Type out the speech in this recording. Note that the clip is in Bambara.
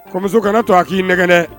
Kɔmuso kana to a k'i m kɛnɛɛnɛ